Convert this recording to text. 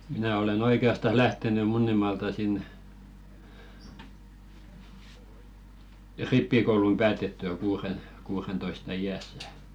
minä olen oikeastaan lähtenyt Munnimaalta siinä rippikoulun päätettyä - kuudentoista iässä